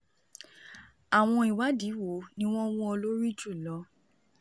Àwọn ìwádìí wo ni wọ́n wú ọ lórí jùlọ?